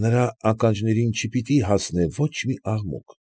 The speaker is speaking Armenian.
Նրա ականջներին չպիտի հասնե ոչ մի աղմուկ։